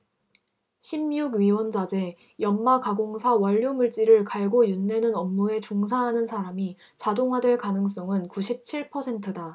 십 육 위원자재 연마 가공사 원료물질을 갈고 윤내는 업무에 종사하는 사람이 자동화될 가능성은 구십 칠 퍼센트다